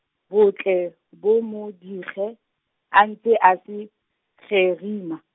bo tle, bo mo dige, a ntse a se, gerima.